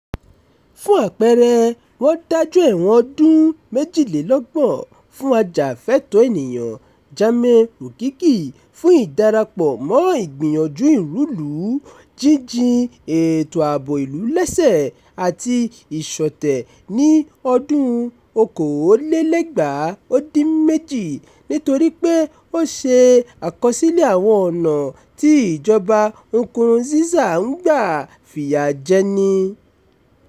Fún àpẹẹrẹ, wọ́n dájọ́ ẹ̀wọ̀n ọdún méjìlélọ́gbọ̀n fún ajàfẹ́tọ̀ọ́ ènìyàn Germain Rukiki fún ìdarapọ̀ mọ́ ìgbìyànjú ìrúlùú, jíjin ètò ààbò ìlú lẹ́sẹ̀, àti ìṣọ̀tẹ̀ ní 2018 nítorí pé ó ṣe àkọsílẹ̀ àwọn ọ̀nà tí ìjọba Nkurunziza ń gbà fìyà jẹni.